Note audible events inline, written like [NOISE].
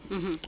[HESITATION] [HESITATION]